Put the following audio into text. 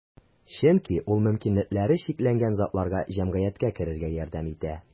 Чөнки ул мөмкинлекләре чикләнгән затларга җәмгыятькә керергә ярдәм итә.